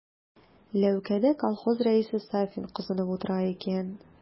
Ләүкәдә колхоз рәисе Сафин кызынып утыра икән.